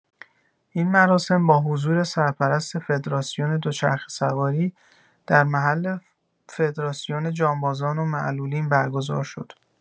این مراسم با حضور سرپرست فدراسیون دوچرخه‌سواری، در محل فدراسون جانبازان و معلولین برگزار شد.